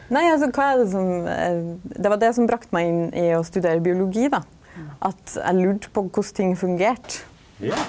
nei altså kva er det som det var det som bringa meg inn i å studera biologi då at eg lurte på korleis ting fungerte.